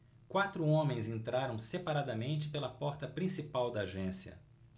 quatro homens entraram separadamente pela porta principal da agência